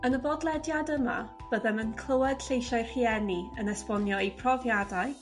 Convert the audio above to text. Yn y bodlediad yma byddem yn clywed lleisiau rhieni yn esbonio 'u profiadau,